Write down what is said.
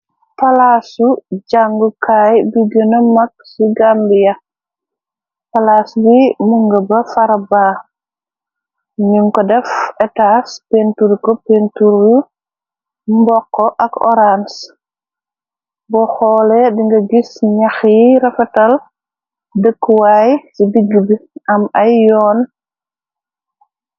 Palaasu jàngukaay bi gëna mag ci gàmbiya, palaas bi mu nga ba faraba , nim ko def etas pentur ku penturyu mbokk ak orans , bu xoole di nga gis ñax yi rafatal dëkkuwaay ci digg bi, am ay yoon.